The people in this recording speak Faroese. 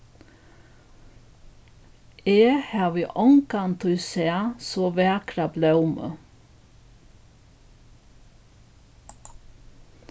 eg havi ongantíð sæð so vakra blómu